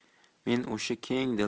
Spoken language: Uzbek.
men o'sha keng